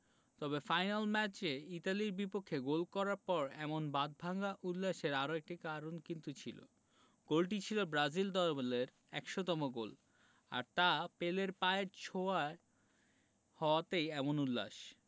তবে ফাইনাল ম্যাচে ইতালির বিপক্ষে গোল করার পর এমন বাঁধভাঙা উল্লাসের আরোকটি কারণ কিন্তু ছিল গোলটি ছিল ব্রাজিল দলের ১০০তম গোল আর তা পেলের পায়ের ছোঁয়া হওয়াতেই এমন উল্লাস